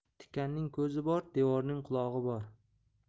tikanning ko'zi bor devorning qulog'i bor